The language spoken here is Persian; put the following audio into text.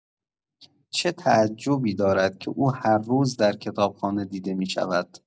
چه تعجبی دارد که او هر روز در کتابخانه دیده می‌شود؟